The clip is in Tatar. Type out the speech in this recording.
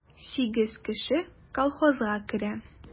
Сигез кеше колхозга керә.